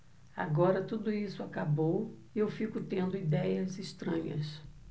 agora tudo isso acabou e eu fico tendo idéias estranhas